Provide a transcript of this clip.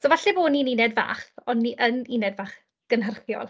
So falle bod ni'n uned fach, ond ni yn uned fach gynhyrchiol.